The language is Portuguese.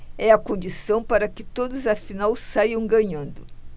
é a condição para que todos afinal saiam ganhando